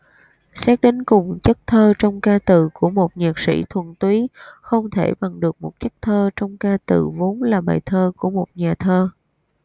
xét đến cùng chất thơ trong ca từ của một nhạc sĩ thuần túy không thể bằng được chất thơ trong ca từ vốn là bài thơ của một nhà thơ